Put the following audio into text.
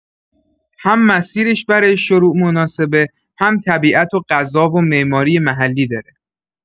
هم مسیرش برای شروع مناسبه، هم طبیعت و غذا و معماری محلی داره.